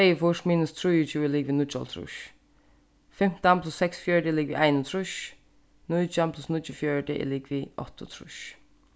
tveyogfýrs minus trýogtjúgu er ligvið níggjuoghálvtrýss fimtan pluss seksogfjøruti er ligvið einogtrýss nítjan pluss níggjuogfjøruti er ligvið áttaogtrýss